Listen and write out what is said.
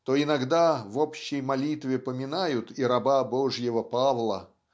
то иногда в общей молитве поминают и раба Божьего Павла